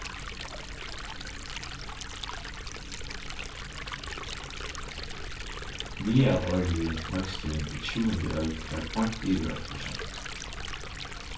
miðalárligi vøksturin í tjúgundi øld var beint yvir eitt prosent